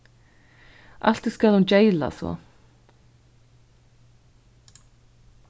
altíð skal hon geyla so